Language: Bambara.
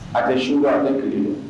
A tɛ suba a tile